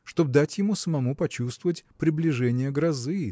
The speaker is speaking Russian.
чтоб дать ему самому почувствовать приближение грозы